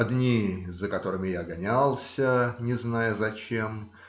Одни - за которыми я гонялся, не зная зачем